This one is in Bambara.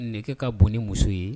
Nɛgɛ kɛ ka bon ni muso ye